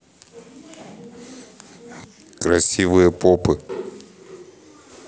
красивые попы